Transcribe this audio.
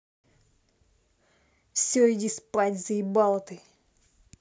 все иди спать заебала ты